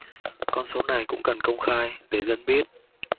con số này cũng cần công khai để dân biết